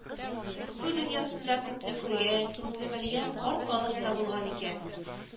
Су дөньясында күпне күргән, күпне белгән карт балык та булган икән